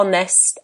onest